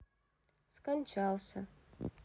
скончался